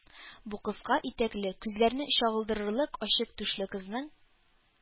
Бу кыска итәкле, күзләрне чагылдырырлык ачык түшле кызның